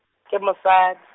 ke mosa- .